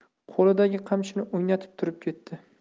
qo'lidagi qamchini o'ynatib turib ketdi